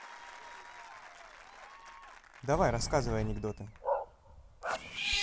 давай рассказывай анекдоты